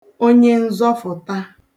onyenzọfụ̀ta